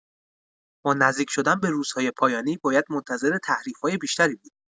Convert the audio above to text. با نزدیک‌شدن به روزهای پایانی، باید منتظر تحریف‌های بیشتری بود.